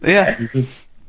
Ie. Mhm.